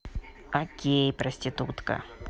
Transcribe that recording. окей проститутка